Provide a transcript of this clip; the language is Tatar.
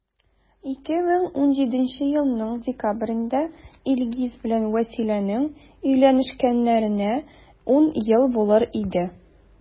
2017 елның декабрендә илгиз белән вәсиләнең өйләнешкәннәренә 10 ел булыр иде.